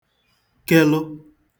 kelụ